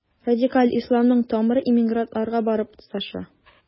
Радикаль исламның тамыры иммигрантларга барып тоташа.